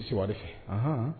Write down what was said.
N siwari fɛ